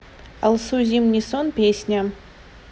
алсу зимний сон песня